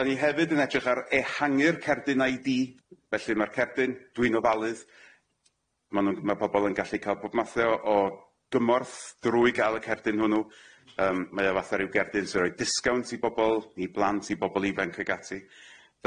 'Dan ni hefyd yn edrych ar ehangu'r cerdyn Ay Dee felly ma'r cerdyn dwi'n ofalydd ma' nw'n ma' pobol yn gallu ca'l pob mathe o o gymorth drwy ga'l y cerdyn hwnnw yym mae o fatha ryw gerdyn sy'n roi disgownt i bobol i blant i bobol ifanc ag ati.